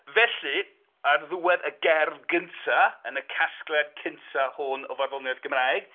Felly ar ddiwedd y gerdd gyntaf yn y casgliad cyntaf hwn o farddoniaeth Gymraeg